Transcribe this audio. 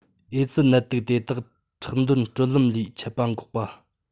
ཨེ ཙི ནད དུག དེ ཁྲག འདོན སྤྲོད ལམ ནས མཆེད པ འགོག པ